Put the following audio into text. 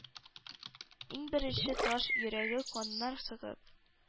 Иң беренче таш йөрәге каннар сыгып,